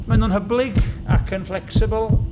Maen nhw'n hyblyg ac yn flexible.